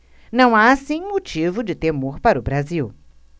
não há assim motivo de temor para o brasil